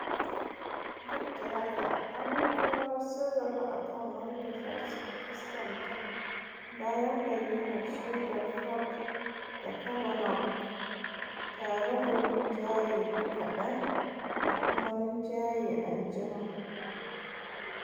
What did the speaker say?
Duk da haka, Amirkawa sun rabu akan wanda zasu gaskanta bayan bayyanar shaidar Ford da Kavanaugh, tare da rinjaye kadan da kuma rinjaye anjima.